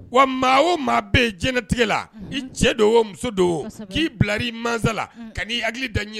Wa maa o maa bɛ jinɛtigɛ la i cɛ do o muso don k'i bila i mansala ka'i hakili daɲini